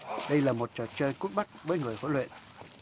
đây là một trò chơi cút bắt với người huấn luyện